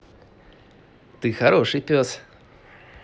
ты хороший пес